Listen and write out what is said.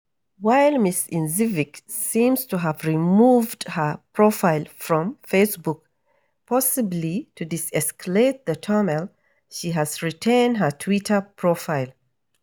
While Ms. Knežević seems to have removed her profile from Facebook, possibly to de-escalate the turmoil, she has retained her Twitter profile.